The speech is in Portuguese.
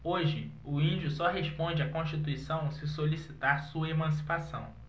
hoje o índio só responde à constituição se solicitar sua emancipação